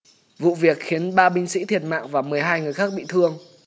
vụ việc khiến ba binh sỹ thiệt mạng và mười hai người khác bị thương